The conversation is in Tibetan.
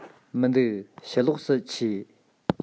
མི འདུག ཕྱི ལོགས སུ མཆིས